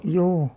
juu